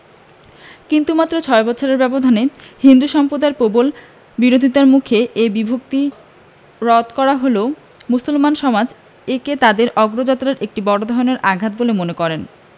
কিন্তু মাত্র ছয় বছরের ব্যবধানে হিন্দু সম্প্রদায়ের প্রবল বিরোধিতার মুখে এ বিভক্তি রদ করা হলে মুসলমান সমাজ একে তাদের অগ্রযাত্রায় একটি বড় ধরনের আঘাত বলে মনে করেন